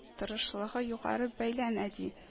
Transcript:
Тырышлыгы югары бәяләнә”, - ди